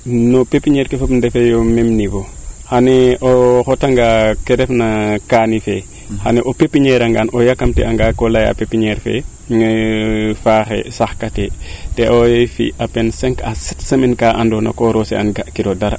non pepiniere ke fop ndefee yo meme nivau xani o xota ngaa ke ref na kaani fee xana o pepiniere a ngaan o yakamti anga ko leyaa pepiniere fee faaxe faax katee to owa fi a peine cinq a sept semaine kaa ando na ko roose an ga kiro dara